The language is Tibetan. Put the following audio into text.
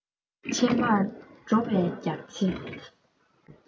ཕྱི མར འགྲོ བའི རྒྱགས ཕྱེ